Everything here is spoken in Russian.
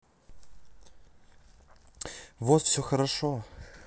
вот все хорошо